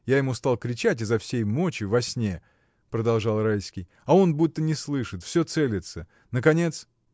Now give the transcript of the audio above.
Я ему стал кричать изо всей мочи, во сне, — продолжал Райский, — а он будто не слышит, всё целится. наконец.